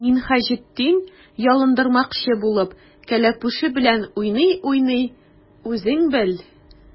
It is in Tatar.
Минһаҗетдин, ялындырмакчы булып, кәләпүше белән уйный-уйный:— Үзең бел!